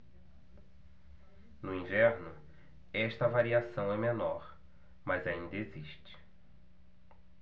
no inverno esta variação é menor mas ainda existe